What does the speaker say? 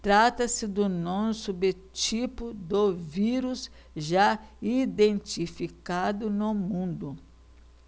trata-se do nono subtipo do vírus já identificado no mundo